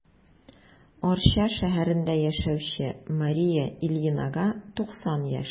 Арча шәһәрендә яшәүче Мария Ильинага 90 яшь.